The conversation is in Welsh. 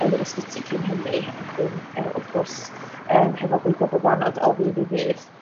...yn yr ysbyty cyn hynny a wedyn yy wrth gwrs yym hefo bwydo babanod o ddydd i ddydd.